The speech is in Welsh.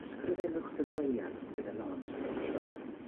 Ysgrifennwch gyfweliad gyda Lance Armstrong.